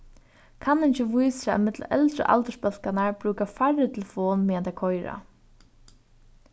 kanningin vísir at millum eldru aldursbólkarnar brúka færri telefon meðan tey koyra